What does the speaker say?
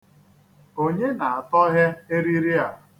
Onye na-atọhe eriri a?